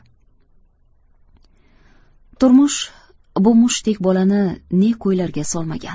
turmush bu mushtdek bolani ne ko'ylarga solmagan